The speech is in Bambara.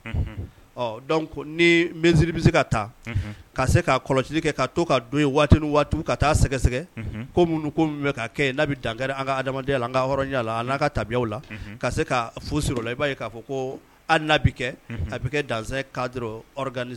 Kɔlɔsitigi to sɛgɛsɛ minnu dan an ka adamadamadenyaya' ka tabi la i b'a ye k'a fɔ ko bɛ kɛ a bɛ kɛ gan k'